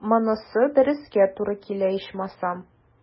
Монысы дөрескә туры килә, ичмасам.